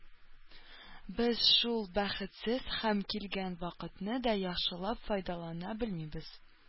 Без шул бәхетсез һәм килгән вакытны да яхшылап файдалана белмибез.